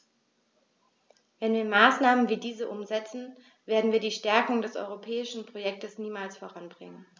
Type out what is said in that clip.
Wenn wir Maßnahmen wie diese umsetzen, werden wir die Stärkung des europäischen Projekts niemals voranbringen.